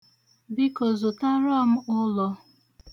Biko, zụtara m ụlọ.